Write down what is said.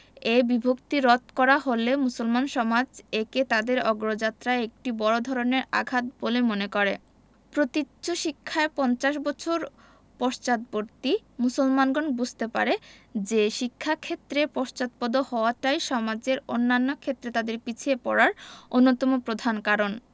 এ বিভক্তি রদ করা হলে মুসলমান সমাজ একে তাদের অগ্রযাত্রায় একটি বড় ধরনের আঘাত বলে মনে করে প্রতীচ্য শিক্ষায় পঞ্চাশ বছর পশ্চাদ্বর্তী মুসলমানগণ বুঝতে পারে যে শিক্ষাক্ষেত্রে পশ্চাৎপদ হওয়াটাই সমাজের অন্যান্য ক্ষেত্রে তাদের পিছিয়ে পড়ার অন্যতম প্রধান কারণ